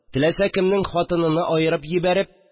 Теләсә кемнең хатыныны аерып җибәреп